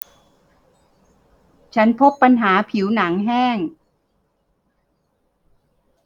ฉันพบปัญหาผิวหนังแห้ง